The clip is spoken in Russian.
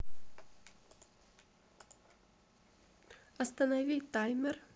останови таймер